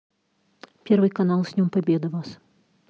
первый канал с днем победы вас